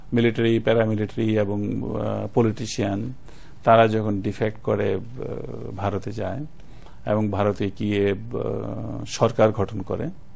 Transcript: military para military এবং politician তারা যখন ডিফেক্ট করে ভারতে যায় এবং ভারতে গিয়ে সরকার গঠন করে